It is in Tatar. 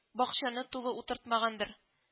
Бакчаны тулы утыртмагандыр